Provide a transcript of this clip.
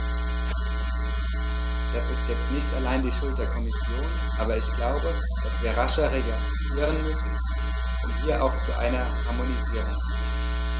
Das ist jetzt nicht allein die Schuld der Kommission, aber ich glaube, dass wir rascher reagieren müssen, um hier auch zu einer Harmonisierung zu kommen.